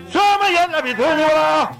Su ye nami to ye wa